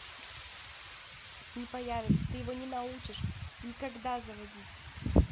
не появится ты его не научишь никогда заводить